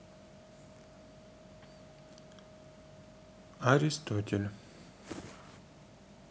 аристотель